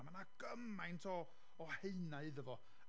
A ma' 'na gymaint o o haenau iddo fo.